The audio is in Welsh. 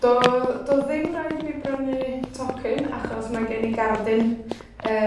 Do'dd, do'dd ddim raid i fi brynu tocyn, achos mae gen i gardyn yy